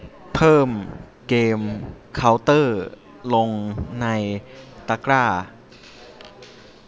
เพิ่มเกมเค้าเตอร์ลงในตะกร้า